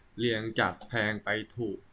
เรียงจากแพงไปถูก